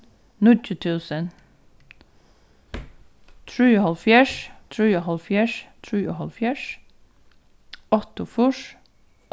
níggju túsund trýoghálvfjerðs trýoghálvfjerðs trýoghálvfjerðs áttaogfýrs